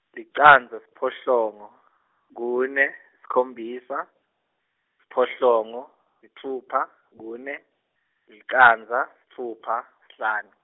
licandza, siphohlongo, kune, sikhombisa, siphohlongo, sitfupha, kune, licandza, sitfupha, sihlanu.